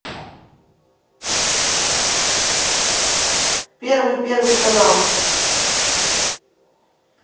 первый первый канал